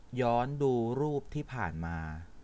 ย้อนดูรูปที่ผ่านมา